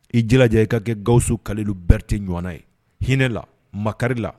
I j i ka kɛ gaso kalelu berete ɲɔgɔn ye hinɛ la makari la